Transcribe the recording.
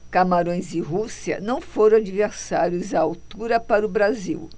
camarões e rússia não foram adversários à altura para o brasil